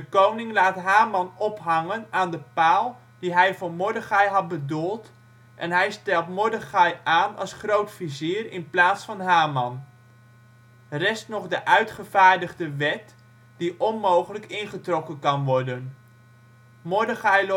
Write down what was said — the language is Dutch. koning laat Haman ophangen aan de paal die hij voor Mordechai had bedoeld, en hij stelt Mordechai aan als grootvizier in plaats van Haman. Rest nog de uitgevaardigde wet, die onmogelijk ingetrokken kan worden. Mordechai